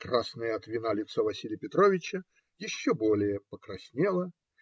Красное от вина лицо Василия Петровича еще более покраснело.